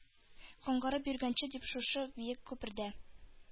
Каңгырып йөргәнче дип шушы биек күпердә